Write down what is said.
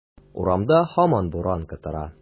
Урамда һаман буран котыра.